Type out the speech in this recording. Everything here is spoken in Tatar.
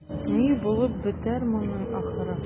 Ни булып бетәр моның ахыры?